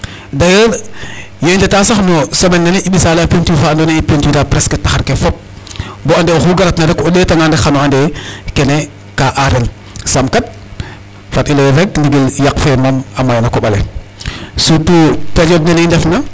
D' ailleurs ga i ndeta sax no semaine nene i mbisa peinture fa andoona yee i peinture a maaga presque taxar ke fop bo ande oxu garatna rek o ɗeetangaan rek xan o ande kene kaa aarel sam kat fat i layir rek ndigil yaq fe moom a maya na koƥ ale surtout période nene i ndefna.